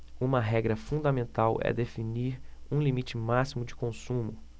uma regra fundamental é definir um limite máximo de consumo